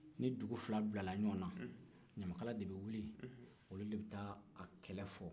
ni dugu fila bilala ɲɔgɔnna ɲamakala de bɛ wili olu de bɛ t'a kɛlɛ fɔ